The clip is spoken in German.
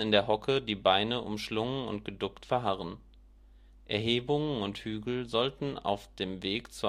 der Hocke die Beine umschlungen und geduckt verharren. Erhebungen und Hügel sollten auf dem Weg